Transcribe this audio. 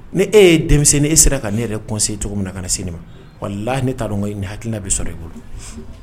Ni e ye denmisɛnnin e sera ka ne yɛrɛ kɔnsen cogo min na ka na se ne ma wala la ne taara dɔn nin hakilila bɛ sɔrɔ e bolo